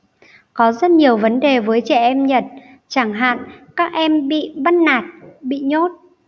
có rất nhiều vấn đề với trẻ em nhật chẳng hạn các em bị bắt nạt bị nhốt